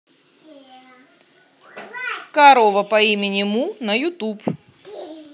корова по имени му на ютуб